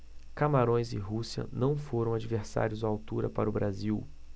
camarões e rússia não foram adversários à altura para o brasil